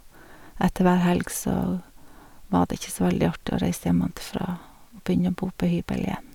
Etter hver helg så var det ikke så veldig artig å reise jæmmantifra og begynne å bo på hybel igjen.